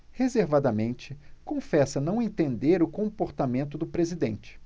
reservadamente confessa não entender o comportamento do presidente